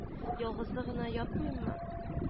— ялгызы гына ятмыймы